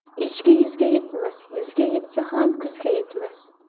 echki yuzga yetmas yuzga yetsa ham kuzga yetmas